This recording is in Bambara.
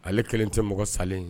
Ale kelen tɛ mɔgɔ salen ye